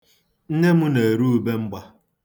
Nne na-ere ubemgba.